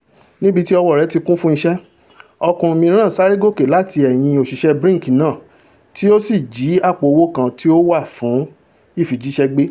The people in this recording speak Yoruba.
Níbití ọwọ́ rẹ̀ ti kún fún iṣẹ́, ọkùnrin mìíràn ''sáré gòkè láti ẹ̀yìn òṣìṣẹ́ Brink náà'' tí ó sì jí àpò owó kan tí ó wà fún ìfijíṣẹ́ gbé.